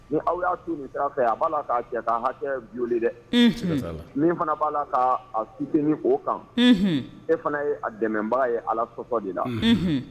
Ni aw y'a tu ni sira a fɛ a b'a la k'a cɛ ka hakɛ bi dɛ min fana b'a la ka fit o kan e fana ye dɛmɛba ye ala fɔ de la